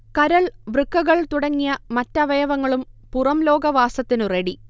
കരൾ, വൃക്കകൾ തുടങ്ങിയ മറ്റവയവങ്ങളും പുറംലോക വാസത്തിനു റെഡി